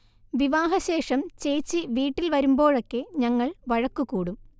വിവാഹശേഷം ചേച്ചി വീട്ടിൽ വരുമ്ബോഴൊക്കെ ഞങ്ങൾ വഴക്കുകൂടും